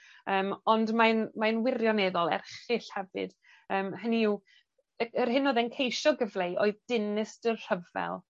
yym ond mae'n mae'n wirioneddol erchyll hefyd yym hynny yw y- yr hyn odd e'n ceisio gyfleu oedd dinistyr rhyfel.